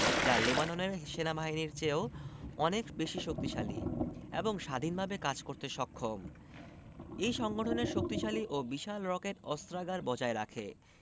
যা লেবাননের সেনাবাহিনীর চেয়েও অনেক বেশি শক্তিশালী এবং স্বাধীনভাবে কাজ করতে সক্ষম এই সংগঠনের শক্তিশালী ও বিশাল রকেট অস্ত্রাগার বজায় রাখে